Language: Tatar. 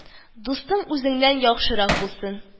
Дустың үзеңнән яхшырак булсын